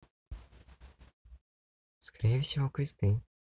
скорее всего квесты